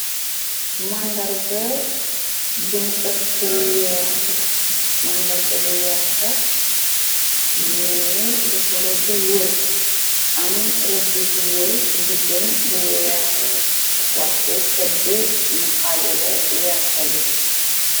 Màndarga buncek cil weex màndarga bu werta. Menni da ko rëddu wër am rëddu bu wër. Ci biggam bu weex wàcce cet bi mu xaajale werta bi.